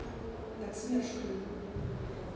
так смерш крым